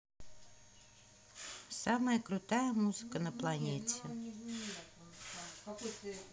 самая крутая музыка на планете